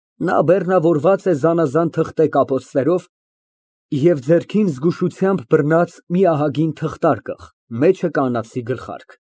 Նա բեռնավորված է զանազան թղթե կապոցներով և ձեռքին զգուշությամբ բռնած մի ահագին թղթարկղ, մեջը կանացի գլխարկ։